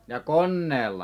ja koneella